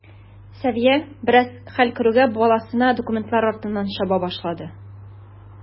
Сәвия, бераз хәл керүгә, баласына документлар артыннан чаба башлады.